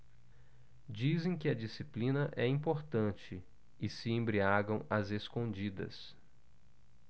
dizem que a disciplina é importante e se embriagam às escondidas